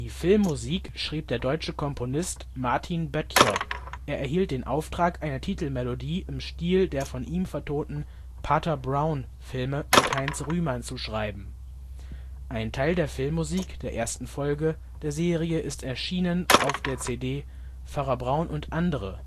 Filmmusik schrieb der deutsche Komponist Martin Böttcher. Er erhielt den Auftrag, eine Titelmelodie im Stil der von ihm vertonten Pater Brown-Filme mit Heinz Rühmann zu schreiben (Das schwarze Schaf und Er kanns nicht lassen). Ein Teil der Filmmusik der ersten Folge der Serie ist erschienen auf der CD „ Pfarrer Braun und andere